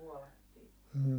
suolattiin vain